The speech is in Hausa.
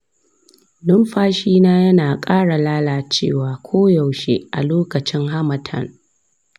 numfashina yana ƙara lalacewa koyaushe a lokacin harmattan.